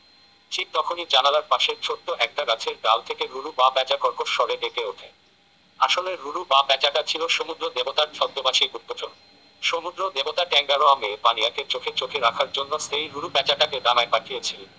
ঠিক তখনই জানালার পাশের ছোট্ট একটা গাছের ডাল থেকে রুরু বা প্যাঁচা কর্কশ স্বরে ডেকে ওঠে আসলে রুরু বা প্যাঁচাটা ছিল সমুদ্র দেবতার ছদ্মবেশী গুপ্তচর সমুদ্র দেবতা টেঙ্গারোয়া মেয়ে পানিয়াকে চোখে চোখে রাখার জন্য সেই রুরু প্যাঁচাটাকে ডাঙায় পাঠিয়েছিল